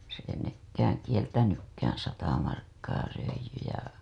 se ei nekään kieltänytkään sata markkaa röijy ja